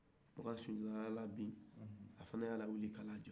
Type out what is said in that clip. makan sunjata y'a labin a fana lawili k'a jɔ